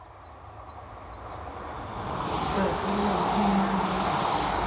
เปิดพัดลมห้องนั่งเล่น